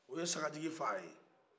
o ye saga jigi fa a ye